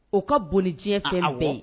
O ka bon ni diɲɛ fɛn bɛɛ ye a awɔ